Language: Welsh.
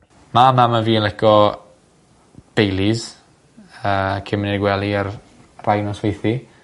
Ma' mam a fi yn lico Baileys yy cyn myn' i'r gwely ar rhai nosweithu.